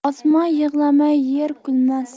osmon yig'lamay yer kulmas